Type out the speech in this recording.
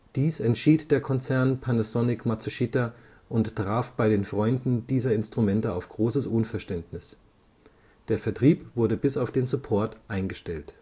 Dies entschied der Konzern Panasonic/Matsushita und traf bei den Freunden dieser Instrumente auf großes Unverständnis. Der Vertrieb wurde bis auf den Support eingestellt